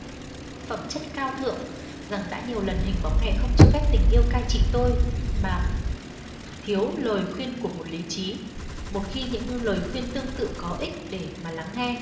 phẩm chất cao thượng rằng đã nhiều lần hình bóng này không cho phép tình yêu cai trị tôi mà thiếu lời khuyên của lý trí một khi những lời khuyên tương tự có ích để mà lắng nghe